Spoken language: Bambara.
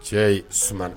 Cɛ ye sumaumana